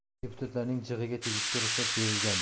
deputatlarning jig'iga tegishga ruxsat berilgandi